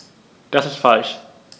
Das ist falsch.